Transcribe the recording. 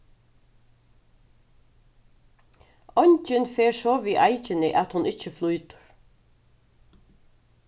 eingin fer so við eikini at hon ikki flýtur